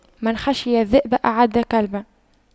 من خشى الذئب أعد كلبا